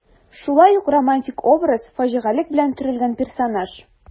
Шулай ук романтик образ, фаҗигалек белән төрелгән персонаж.